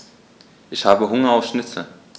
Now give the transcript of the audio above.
Ich habe Hunger auf Schnitzel.